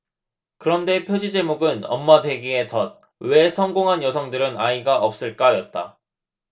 그런데 표지 제목은 엄마 되기의 덫 왜 성공한 여성들은 아이가 없을까였다